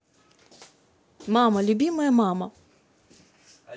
мама любимая мама